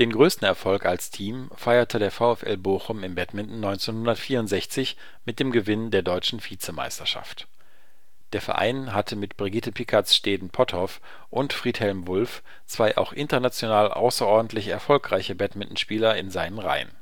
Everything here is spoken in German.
größten Erfolg als Team feierte der VfL Bochum im Badminton 1964 mit dem Gewinn der Deutschen Vizemeisterschaft. Der Verein hatte mit Brigitte Pickartz-Steden-Potthoff und Friedhelm Wulff zwei auch international außerordentlich erfolgreiche Badmintonspieler in seinen Reihen